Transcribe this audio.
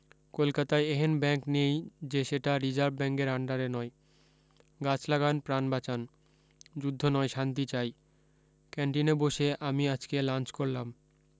কলকাতায় এহেন ব্যাঙ্ক নেই যে সেটা রিজার্ব ব্যাঙ্কের আন্ডারে নয় গাছ লাগান প্রাণ বাঁচান যুদ্ধ নয় শান্তি চাই ক্যান্টিনে গিয়ে আমি আজকে লাঞ্চ করলাম